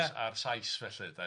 A'r a'r Sais felly 'de.